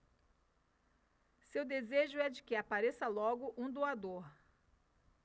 seu desejo é de que apareça logo um doador